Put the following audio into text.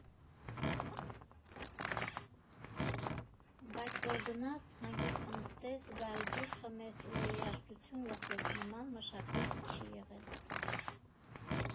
Բայց որ գնաս, հանգիստ նստես, գարեջուր խմես ու երաժշտություն լսես, նման մշակույթ չի եղել։